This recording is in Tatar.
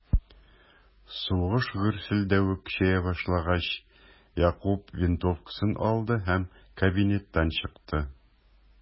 Сугыш гөрселдәве көчәя башлагач, Якуб винтовкасын алды һәм кабинеттан чыкты.